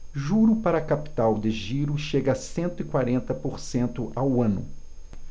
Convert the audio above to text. juro para capital de giro chega a cento e quarenta por cento ao ano